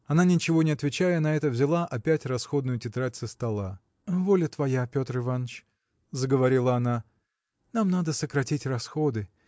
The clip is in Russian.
Она, ничего не отвечая на это, взяла опять расходную тетрадь со стола. – Воля твоя Петр Иваныч – заговорила она – нам надо сократить расходы